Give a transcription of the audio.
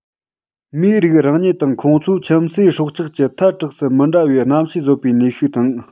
མིའི རིགས རང ཉིད དང ཁོང ཚོའི ཁྱིམ གསོས སྲོག ཆགས ཀྱི ཐལ དྲགས སུ མི འདྲ བའི གནམ གཤིས བཟོད པའི ནུས ཤུགས དང